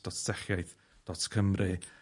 dot techiaith dot Cymru.